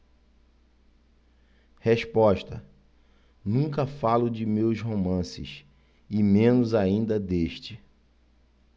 resposta nunca falo de meus romances e menos ainda deste